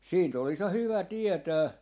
siitä olisi ja hyvä tietää